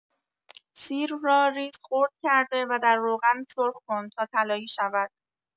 سیر را ریز خرد کرده و در روغن سرخ‌کن تا طلایی شود.